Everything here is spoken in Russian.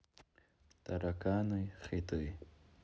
тараканы хиты